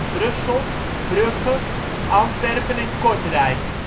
Brussel, Brugge, Antwerpen en Kortrijk